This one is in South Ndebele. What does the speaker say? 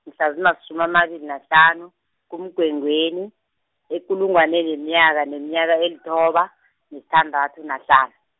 mhlazimasumi amabili nahlanu, kuMgwengweni, ekulungwaneni yeminyaka neminyaka elithoba, nesithandathu nahlanu.